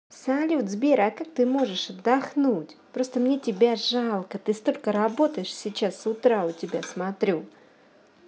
салют сбер а как ты можешь отдохнуть просто мне тебя жалко ты столько работаешь сейчас с утра у тебя смотрю